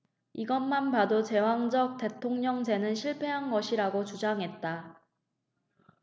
이것만 봐도 제왕적 대통령제는 실패한 것이라고 주장했다